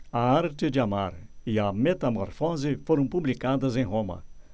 a arte de amar e a metamorfose foram publicadas em roma